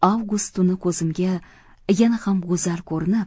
avgust tuni ko'zimga yana ham go'zal ko'rinib